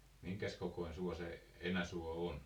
minkä kokoinen suo se Enäsuo on